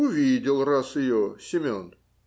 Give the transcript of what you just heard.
Увидел раз ее Семен.